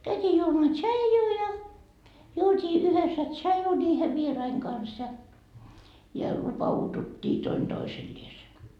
käytiin juomaan tsaijua ja juotiin yhdessä tsaiju niiden vieraiden kanssa ja ja lupauduttiin toinen toiselleen